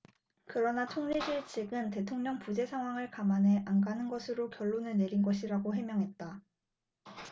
그러나 총리실측은 대통령 부재 상황을 감안해 안 가는 것으로 결론을 내린 것이라고 해명했다